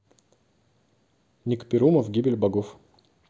ник перумов гибель богов